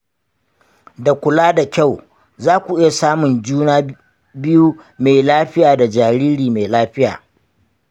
da kula da kyau, za ku iya samun juna biyu mai lafiya da jariri mai lafiya.